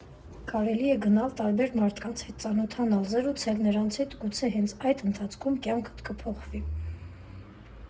Կարելի է գնալ, տարբեր մարդկանց հետ ծանոթանալ, զրուցել նրանց հետ ու գուցե հենց այդ ընթացքում կյանքդ փոխվի։